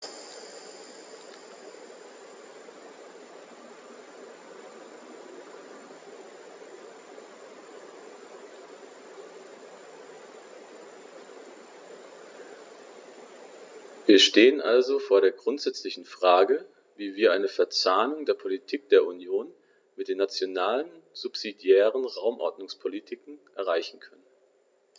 Wir stehen also vor der grundsätzlichen Frage, wie wir eine Verzahnung der Politik der Union mit den nationalen subsidiären Raumordnungspolitiken erreichen können.